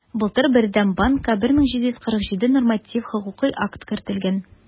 Былтыр Бердәм банкка 1747 норматив хокукый акт кертелгән.